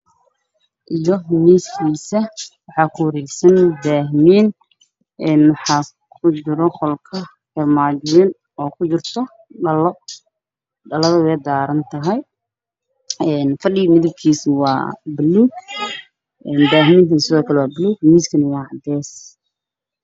Waa qol waxaa la fadhiya madow ah darbi waxaa ku dhaqan daaha madow waxaa la armaado caddaan ah